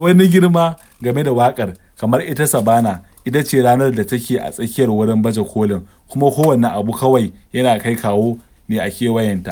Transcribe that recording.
Akwai wani girma game da waƙar: kamar ita Saɓannah ita ce ranar da take a tsakiyar wurin baje-kolin, kuma kowane abu kawai yana kai kawo ne a kewayenta.